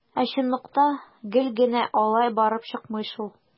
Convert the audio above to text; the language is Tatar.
Ә чынлыкта гел генә алай барып чыкмый шул.